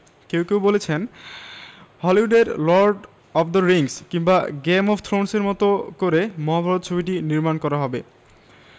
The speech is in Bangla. কেউ কেউ বলছেন হলিউডের লর্ড অব দ্য রিংস কিংবা গেম অব থ্রোনস এর মতো করে মহাভারত ছবিটি নির্মাণ করা হবে